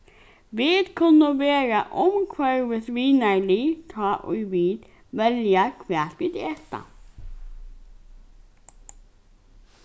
vit kunnu vera umhvørvisvinarlig tá ið vit velja hvat vit eta